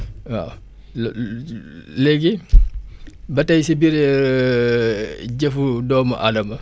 waaw lu léegi ba tey si biir jëfu doomu Adama